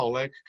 Coleg